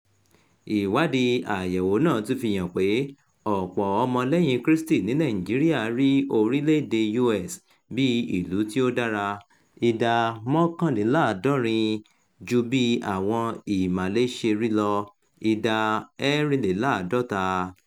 Ìwádìí àyẹ̀wò náà tún fi hàn pé ọ̀pọ̀ ọmọ lẹ́yìn Krístì ní Nàìjíríà "rí orílẹ̀-èdèe US bí ìlú tí ó dára (ìdá 69) ju bí àwọn Ìmàlé ṣe rí i lọ (ìdá 54)".